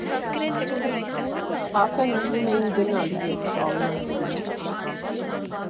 Արդեն ուզում էինք գնալ, երբ շարունակեց.